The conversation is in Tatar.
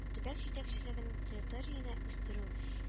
Төбәк җитәкчелегенең территорияне үстерү